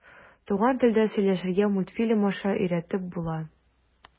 Туган телдә сөйләшергә мультфильм аша өйрәтеп була.